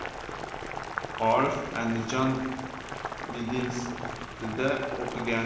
orif andijon medinstitutida o'qigani